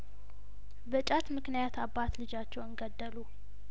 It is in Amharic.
በጫትምክንያት አባት ልጃቸውን ገደሉ